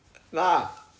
Na